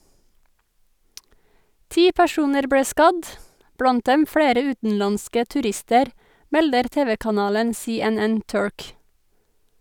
Ti personer ble skadd , blant dem flere utenlandske turister, melder TV-kanalen CNN-Turk.